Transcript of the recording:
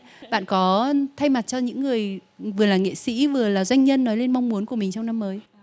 bạn có thay mặt cho những người vừa là nghệ sĩ vừa là doanh nhân nói lên mong muốn của mình trong năm mới